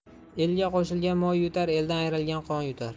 elga qo'shilgan moy yutar eldan ayrilgan qon yutar